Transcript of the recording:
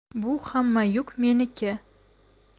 bu hamma yuk meniki